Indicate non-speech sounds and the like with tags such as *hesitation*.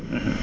*hesitation* *hesitation*